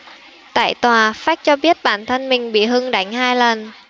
tại tòa phách cho biết bản thân mình bị hưng đánh hai lần